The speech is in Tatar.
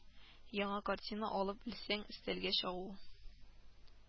Яңа картина алып элсәң, өстәлгә чагу